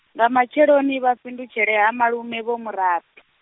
nga matsheloni vha fhindutshele ha malume Vho Mura- .